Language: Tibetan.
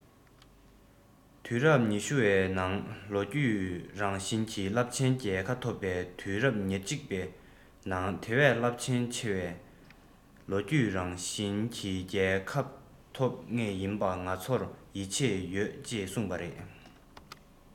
དུས རབས ཉི ཤུ བའི ནང ལོ རྒྱུས རང བཞིན གྱི རླབས ཆེན རྒྱལ ཁ ཐོབ པའི དུས རབས ཉེར གཅིག པའི ནང དེ བས རླབས ཆེ བའི ལོ རྒྱུས རང བཞིན གྱི རྒྱལ ཁབ ཐོབ ངེས ཡིན པ ང ཚོར ཡིད ཆེས ཡོད ཅེས གསུངས པ རེད